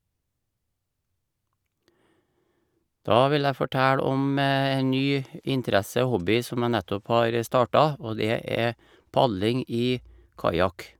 Da vil jeg fortelle om en ny interesse og hobby som jeg nettopp har starta, og det er padling i kajak.